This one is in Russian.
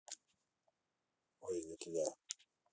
ой не туда